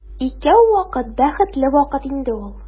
Икәү вакыт бәхетле вакыт инде ул.